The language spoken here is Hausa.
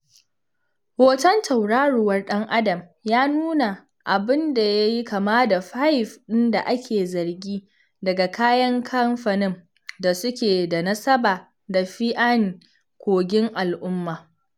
Hoton tauraruwar ɗan-adam ya nuna abun da ya yi kama da fayif ɗin da ake zargi daga kayan kamfanin da suke da nasaba da Feeane, kogin al'umma